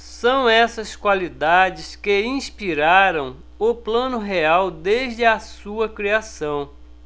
são essas qualidades que inspiraram o plano real desde a sua criação